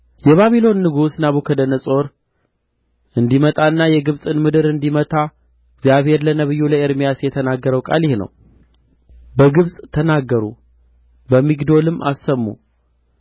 የባቢሎን ንጉሥ ናቡከደነፆር እንዲመጣና የግብጽን ምድር እንዲመታ እግዚአብሔር ለነቢዩ ለኤርምያስ የተናገረው ቃል ይህ ነው በግብጽ ተናገሩ በሚግዶልም አሰሙ